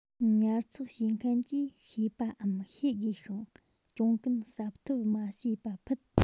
ཉར ཚགས བྱེད མཁན གྱིས ཤེས པའམ ཤེས དགོས ཤིང གྱོང གུན གསབ ཐབས མ བྱས པ ཕུད